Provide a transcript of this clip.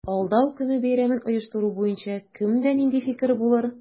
Алдау көне бәйрәмен оештыру буенча кемдә нинди фикер булыр?